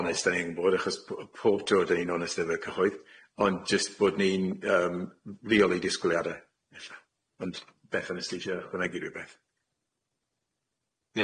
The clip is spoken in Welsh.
onest dyn ni angen bod achos po- pob tro dan ni'n onest efo'r cyhoedd ond jyst bod ni'n yym ddioli disgwyliade ella ond Bethan os tisie ychwanegu rwbeth?